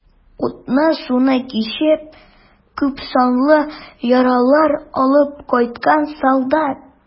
Утны-суны кичеп, күпсанлы яралар алып кайткан солдат.